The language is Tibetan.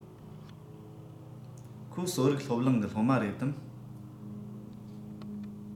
ཁོ གསོ རིག སློབ གླིང གི སློབ མ རེད དམ